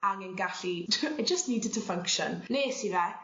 angen gallu jy- I just needed to function> Nes i fe